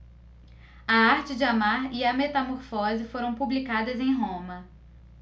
a arte de amar e a metamorfose foram publicadas em roma